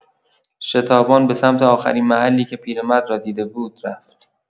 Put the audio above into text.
شتابان به‌سمت آخرین محلی که پیرمرد را دیده بود، رفت.